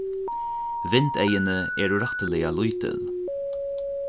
vindeyguni eru rættiliga lítil